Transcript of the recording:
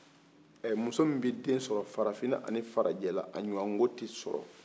muso min bɛ den sɔrɔ farafina ni farajɛ la a ɲɔgɔnko tɛ sɔrɔ